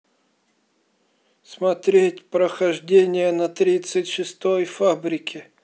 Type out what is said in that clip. смотреть прохождение на тридцать шестой фабрике